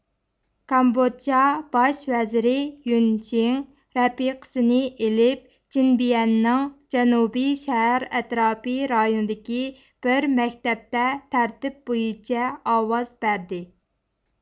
كامبودژا باش ۋەزىرى يۈن شېڭ رەپىقىسىنى ئېلىپ جىنبيەننىڭ جەنۇبىي شەھەر ئەتراپى رايونىدىكى بىر مەكتەپتە تەرتىپ بويىچە ئاۋاز بەردى